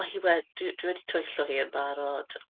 Mae hi we- dw- dwi wedi twyllo hi yn barod.